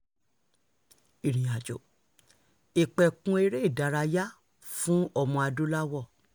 Ìrìn-àjò: Ìpẹ̀kun eré-ìdárayá fún Ọmọ-adúláwọ̀